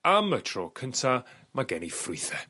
am y tro cynta ma' gen i ffrwythe.